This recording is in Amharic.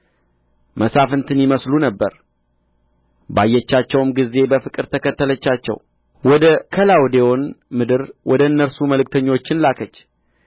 መሳፍንትን ይመስሉ ነበር ባየቻቸውም ጊዜ በፍቅር ተከተለቻቸው ወደ ከላውዴዎን ምድር ወደ እነርሱ መልእክተኞችን ላከች